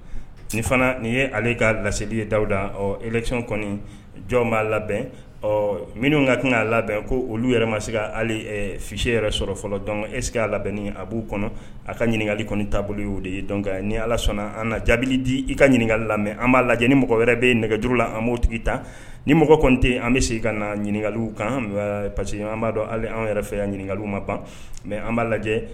Fana nin ye ka ladi ye dawuda ec jɔn b'a labɛn minnu ka kan'a labɛn ko olu yɛrɛ ma se ka fisi yɛrɛ sɔrɔ fɔlɔ dɔn ese a labɛn a b'u kɔnɔ a ka ɲininkaka kɔni taabolo de ye ni ala sɔnna an jaabi di i ka ɲininkaka lamɛn an b'a lajɛ ni mɔgɔ wɛrɛ bɛ nɛgɛjuru la an b'o tigi tan ni mɔgɔ kɔni tɛ an bɛ se ka na ɲininkaka kan parce que an b'a dɔn an yɛrɛ fɛ ɲininkaka ma ban mɛ an b'a lajɛ